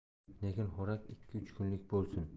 lekin xo'rak ikki uch kunlik bo'lsin